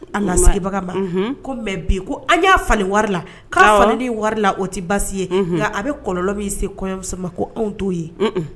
A lasigibaga ma . Ko mais bi ko an ya falen wari ka falen warila o tɛ basi ye nka a bɛ kɔlɔlɔ min se kɔɲɔmuso ma ko anw to ye